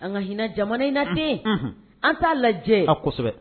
An ka hinɛ jamana in na ten an t'a lajɛ a kosɛbɛ